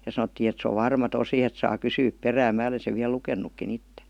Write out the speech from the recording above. ja sanottiin että se on varma tosi että saa kysyä perään minä olen sen vielä lukenutkin itse